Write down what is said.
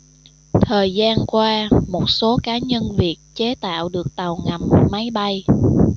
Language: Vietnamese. thời gian qua một số cá nhân việt chế tạo được tàu ngầm máy bay